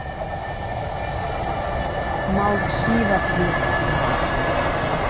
молчи в ответ